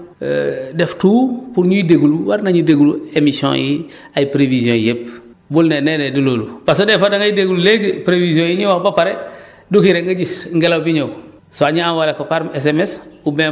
donc ñun yëpp war nañu def tout pour ñuy déglu war nañu déglu émission yi ay prévisions yëpp bu ne lee nee du loolu parce que des fois da ngay déglu léegi prévisions yi ñu wax ba pare du kii rek nga gis ngelaw bi ñëw